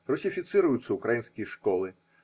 Руссифицируются украинские школы.